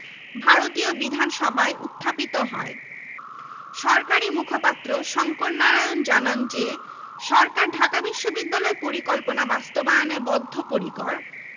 সচিবালয় সরকারি ছাপাখানা সরকারি কর্মকর্তাদের আবাসস্থল ও ছোটখাট ইমারত ওই এলাকার অন্তর্ভুক্ত করা হয়